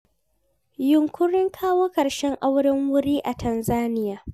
Yunƙurin kawo ƙarshen auren wuri a Tanzaniya.